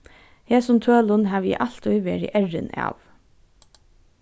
hesum tølum havi eg altíð verið errin av